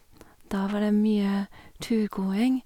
Da var det mye turgåing.